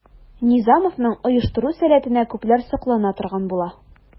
Низамовның оештыру сәләтенә күпләр соклана торган була.